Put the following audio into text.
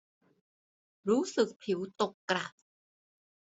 รู้สึกผิวตกกระ